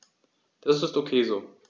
Das ist ok so.